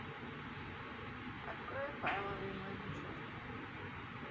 открой файловый менеджер